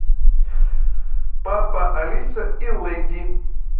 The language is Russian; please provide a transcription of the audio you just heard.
папа алиса и lady